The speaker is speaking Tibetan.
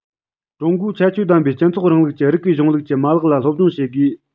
ཀྲུང གོའི ཁྱད ཆོས ལྡན པའི སྤྱི ཚོགས རིང ལུགས ཀྱི རིགས པའི གཞུང ལུགས ཀྱི མ ལག ལ སློབ སྦྱོང བྱེད དགོས